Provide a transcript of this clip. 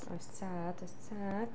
Oes tad, oes tad.